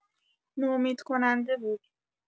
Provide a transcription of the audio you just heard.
نومیدکننده بود.